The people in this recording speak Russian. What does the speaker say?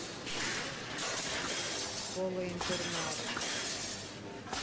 школа интернат